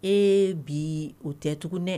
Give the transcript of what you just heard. E bi o tɛ tugun ne